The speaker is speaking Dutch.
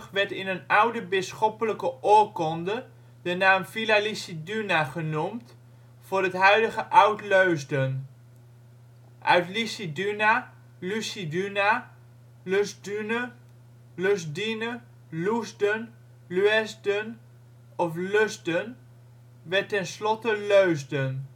werd in een oude bisschoppelijke oorkonde de naam Villa Lisiduna genoemd voor het huidige Oud-Leusden. Uit Lisiduna, Lusiduna, Lusdune, Lusdine, Loesden, Luesden of Lusden werd tenslotte Leusden